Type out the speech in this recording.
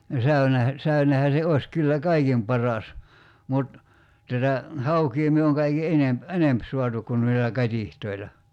no säynehän säynehän se olisi kyllä kaikkein paras mutta tätä haukea me on kaikkein enempi enempi saatu kun noilla katiskoilla